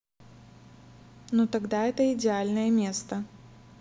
ну тогда это идеальное место